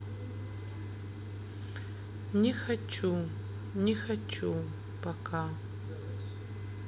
не хочу не хочу пока